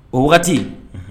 O waati